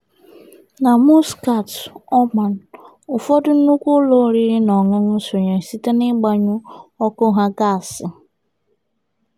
Na Muscat, Oman, ụfọdụ nnukwu ụlọ oriri na ọñụñụ sonyere site na-ịgbanyu ọkụ ha gasị.